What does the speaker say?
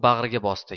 bag'riga bosdi